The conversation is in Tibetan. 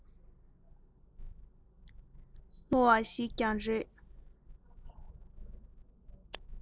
ངུ བྲོ བ ཞིག ཀྱང རེད